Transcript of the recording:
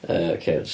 Yy ocê...